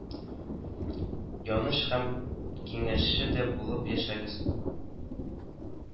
Яныч һәм киңәшче дә булып яшәгез